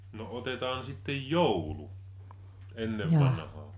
no otetaan sitten joulu ennen vanhaan